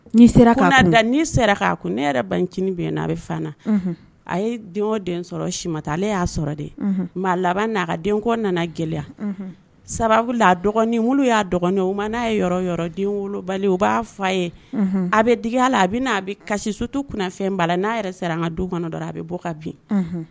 Ni sera da ni sera ne yɛrɛ bancinin bɛ a bɛ a ye den den sɔrɔ si ma taa ale y'a sɔrɔ de laban' den nana gɛlɛya y'a dɔgɔnin o ma n'a ye yɔrɔ denbali o b'a fɔ a ye a bɛ d la a bɛ a kasi sotu kunfɛn b'a la n'a yɛrɛ sera ka du kɔnɔ dɔ a bɛ bɔ ka bin